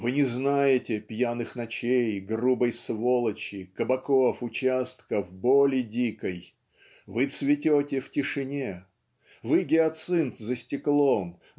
Вы не знаете пьяных ночей грубой сволочи кабаков участков боли дикой. Вы цветете в тишине вы гиацинт за стеклом